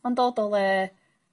Ma'n dod o le